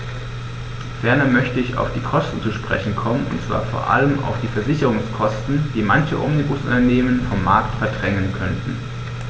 Ferner möchte ich auf die Kosten zu sprechen kommen, und zwar vor allem auf die Versicherungskosten, die manche Omnibusunternehmen vom Markt verdrängen könnten.